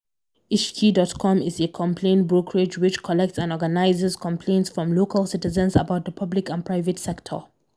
Ishki.com is a complaint brokerage which collects and organizes complaints from local citizens about the public and private sector.